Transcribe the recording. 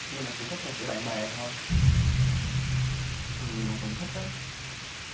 nhưng mà chỉ thích theo kiểu bạn bè thôi còn người mà tùng thích á